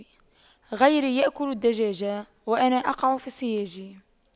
غيري يأكل الدجاج وأنا أقع في السياج